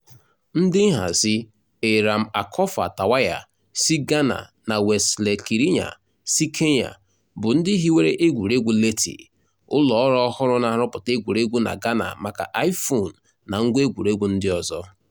Ndị nhazi, Eyram Akorfa Tawiah si Ghana na Wesley Kirinya si Kenya bụ ndị hiwere egwuregwu Leti, ụlọọrụ ọhụrụ na-arụpụta egwuregwu na Ghana maka iPhone na ngwa egwuregwu ndị ọzọ.